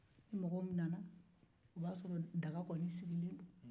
ni mɔgɔ min nana o b'a sɔrɔ daga kɔni sigilen do